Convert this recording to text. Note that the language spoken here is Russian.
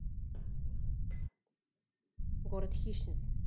город хищниц